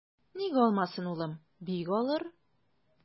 Ник алмасын, улым, бик алыр.